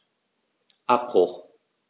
Abbruch.